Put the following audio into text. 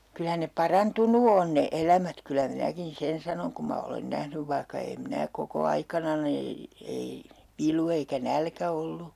kyllä ne parantunut on ne elämät kyllä minäkin sen sanon kun minä olen nähnyt vaikka en minä koko aikanani ei vilu eikä nälkä ollut